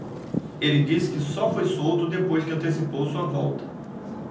ele disse que só foi solto depois que antecipou sua volta